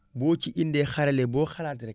boo ci indee xarele boo xalaat rek